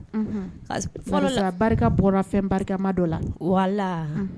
Fɔlɔ barika bɔra fɛn barikama dɔ la wala